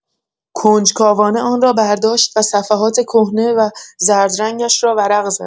کنجکاوانه آن را برداشت و صفحات کهنه و زردرنگش را ورق زد.